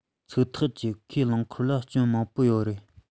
ཚིག ཐག བཅད ཁོས རླངས འཁོར ལ སྐྱོན མང པོ ཡོད རེད